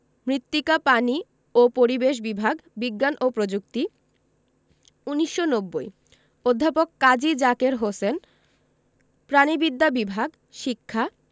মৃত্তিকা পানি ও পরিবেশ বিভাগ বিজ্ঞান ও প্রযুক্তি ১৯৯০ অধ্যাপক কাজী জাকের হোসেন প্রাণিবিদ্যা বিভাগ শিক্ষা